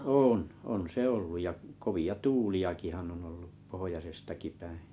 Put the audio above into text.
on on se ollut ja kovia tuuliakinhan on ollut pohjoisestakin päin